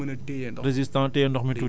maanaam suuf bi day gën a mën a